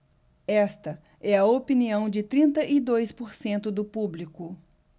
esta é a opinião de trinta e dois por cento do público